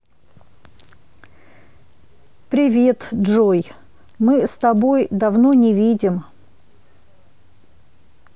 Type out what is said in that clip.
привет джой мы с тобой давно не видим